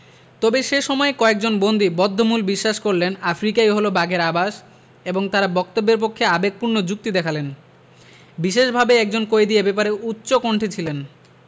তবে সে সময়ে কয়েকজন বন্দী বদ্ধমূল বিশ্বাস করলেন আফ্রিকাই হলো বাঘের আবাস এবং তারা বক্তব্যের পক্ষে আবেগপূর্ণ যুক্তি দেখালেন বিশেষভাবে একজন কয়েদি এ ব্যাপারে উচ্চকণ্ঠ ছিলেন